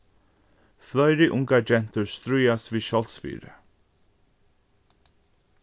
fleiri ungar gentur stríðast við sjálvsvirði